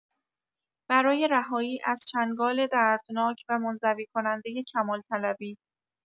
برای رهایی از چنگال دردناک و منزوی‌کنندۀ کمال‌طلبی